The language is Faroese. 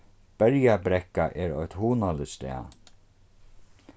berjabrekka er eitt hugnaligt stað